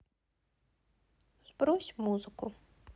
сбрось музыку